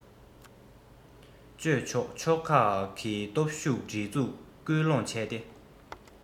སྤྱོད ཆོག ཕྱོགས ཁག གི སྟོབས ཤུགས སྒྲིག འཛུགས སྐུལ སློང བྱས ཏེ